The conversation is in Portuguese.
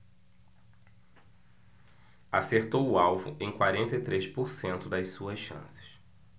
acertou o alvo em quarenta e três por cento das suas chances